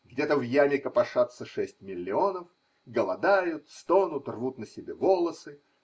Где-то в яме копошатся шесть миллионов, голодают, стонут, рвут на себе волосы